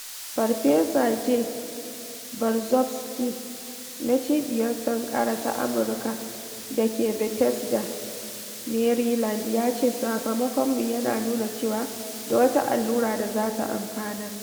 Farfesa Jay Berzofsky, na Cibiyar Sankara ta Amurka da ke Bethesda, Maryland, ya ce: “Sakamakonmu yana nuna cewa da wata allura da za ta amfanar."